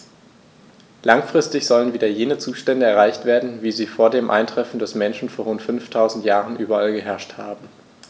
Langfristig sollen wieder jene Zustände erreicht werden, wie sie vor dem Eintreffen des Menschen vor rund 5000 Jahren überall geherrscht haben.